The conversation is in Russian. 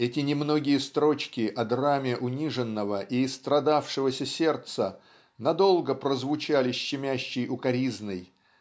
Эти немногие строчки о драме униженного и исстрадавшегося сердца ненадолго прозвучали щемящей укоризной